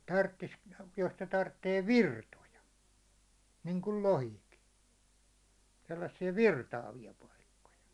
- jos ne tarvitsee virtoja niin kuin lohikin sellaisia virtaavia paikkoja